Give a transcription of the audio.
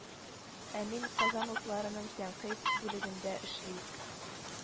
Ә мин «Казан утлары»ның тәнкыйть бүлегендә эшли